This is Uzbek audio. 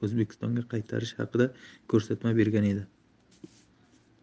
o'zbekistonga qaytarish haqida ko'rsatma bergan edi